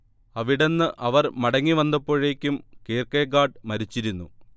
അവിടന്ന് അവർ മടങ്ങി വന്നപ്പോഴേക്കും കീർക്കെഗാഡ് മരിച്ചിരുന്നു